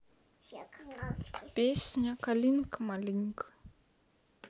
песня калинка малинка